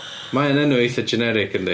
Mae o'n enw eitha generic yndi.